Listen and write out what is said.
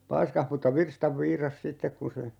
paiskasi mutta virstan viirasi sitten kun se